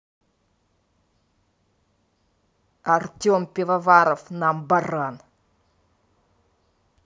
артем пивоваров нам баран